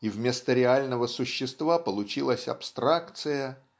И вместо реального существа получилась абстракция